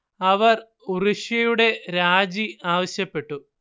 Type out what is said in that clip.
അവർ ഉറുഷ്യയുടെ രാജി ആവശ്യപ്പെട്ടു